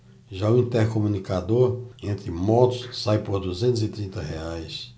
já o intercomunicador entre motos sai por duzentos e trinta reais